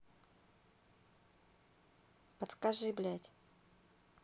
подскажи блядь